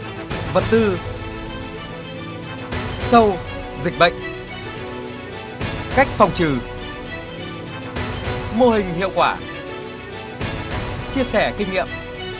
vật tư sâu dịch bệnh cách phòng trừ mô hình hiệu quả chia sẻ kinh nghiệm